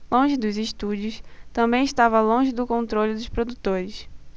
longe dos estúdios também estava longe do controle dos produtores